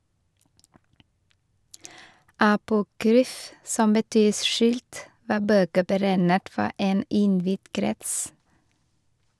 Apokryf , som betyr skjult, var bøker beregnet for en innvidd krets.